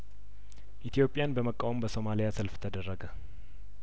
ኢትዮጵያን በመቃወም በሶማሊያሰልፍ ተደረገ